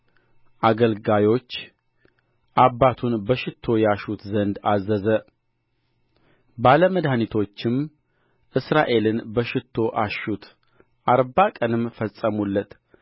አገልጋዮቹ አባቱን በሽቱ ያሹት ዘንድ አዘዘ ባለመድኃኒቶችም እስራኤልን በሽቱ አሹት አርባ ቀንም ፈጸሙለት